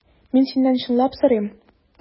Мин синнән чынлап сорыйм.